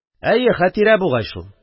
– әйе, хәтирә бугай шул...